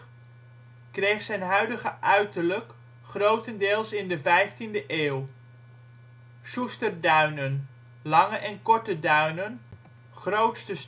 kreeg zijn huidige uiterlijk grotendeels in de 15e eeuw. Soester Duinen; Lange en Korte Duinen, grootste